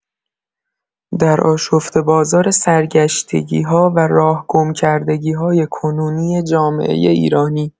در آشفته‌بازار سرگشتگی‌ها و راه گم کردگی‌های کنونی جامعه ایرانی